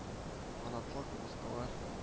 Канатлы кырмыскалар: